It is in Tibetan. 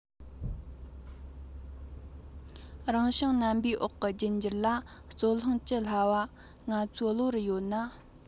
རང བྱུང རྣམ པའི འོག གི རྒྱུད འགྱུར ལ རྩོད གླེང བགྱི སླ བ ང ཚོའི བློ རུ ཡོད ན